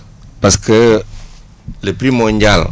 parce que le prix mondial